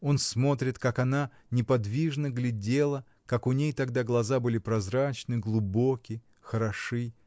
Он смотрит, как она неподвижно глядела, как у ней тогда глаза были прозрачны, глубоки, хороши.